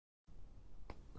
ust boshidan sirqib